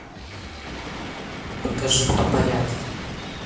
покажи кто порядки